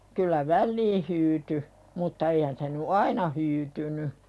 kyllä väliin hyytyi mutta eihän se nyt aina hyytynyt